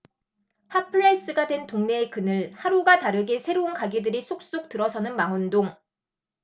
핫 플레이스가 된 동네의 그늘 하루가 다르게 새로운 가게들이 속속 들어서는 망원동